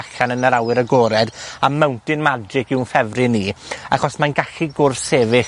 allan yn yr awyr agored, a Mountain Magic yw'n ffefryn i, achos mae'n gallu gwrth-sefyll